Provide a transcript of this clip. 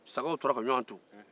sagaw tora ka ɲɔgɔn tu